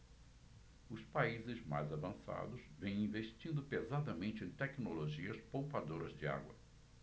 os países mais avançados vêm investindo pesadamente em tecnologias poupadoras de água